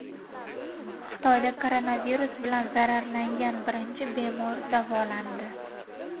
xitoyda koronavirus bilan zararlangan birinchi bemor davolandi